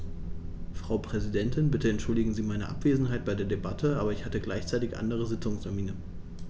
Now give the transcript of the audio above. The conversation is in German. Frau Präsidentin, bitte entschuldigen Sie meine Abwesenheit bei der Debatte, aber ich hatte gleichzeitig andere Sitzungstermine.